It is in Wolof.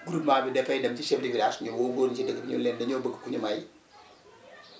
groupement bi dafay dem ci chef de village ñu woo góor ñi ci dëkk bi ñu ne leen dañoo bëgg ku ñu may